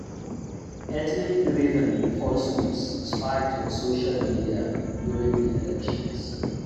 Ethnic driven falsehoods spiked on social media during the elections